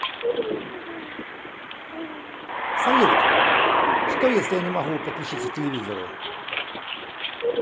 салют что если я не могу подключиться к телевизору